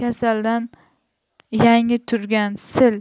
kasaldan yangi turgan sil